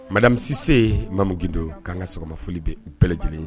Madamisise ye mamuigindo k' kanan ka sɔgɔma foli bɛ u bɛɛ lajɛlen